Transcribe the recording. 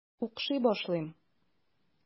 Укшый башлыйм.